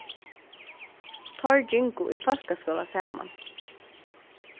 teir gingu í fólkaskúla saman